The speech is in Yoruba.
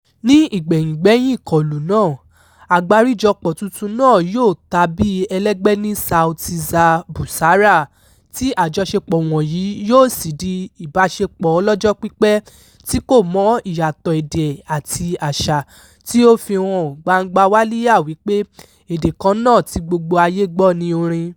Ní ìgbẹ̀yìngbẹ́yín "ìkọlù" náà, àgbárijọpọ̀ tuntun náà yóò ta bí elégbé ní Sauti za Busara, tí àjọṣepọ̀ wọ̀nyí yóò sì di ìbáṣepọ̀ ọlọ́jọ́ pípẹ́ tí kò mọ ìyàtọ̀ èdè àti àṣà, tí ó fi hàn gbangba wálíà wípé èdè kan náà tí gbogbo ayé gbọ́ ni orin.